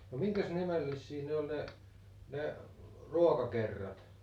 no minkäs nimellisiä ne oli ne ruokakerrat